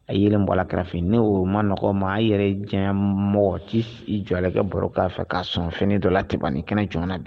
A yelen bɔra kɛrɛfɛ n'o man nɔgɔn i ma i yɛrɛ diyanyemɔgɔ t'i jɔ a kɛrɛfɛ i ka baro k'a fɛ ka sɔn fini dɔ la ten bani i kana jɔn a na